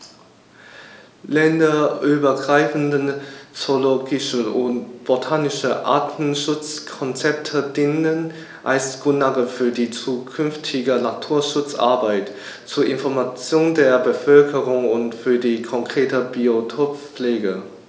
Länderübergreifende zoologische und botanische Artenschutzkonzepte dienen als Grundlage für die zukünftige Naturschutzarbeit, zur Information der Bevölkerung und für die konkrete Biotoppflege.